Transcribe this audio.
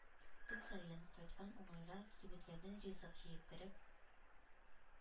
Көн саен, кайткан уңайга, кибетләрдән ризык җыеп кереп,